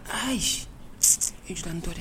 H jɔ ntɔ dɛ